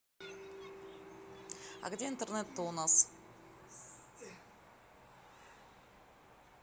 а где интернет то у нас